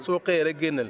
soo xëyee rek génneel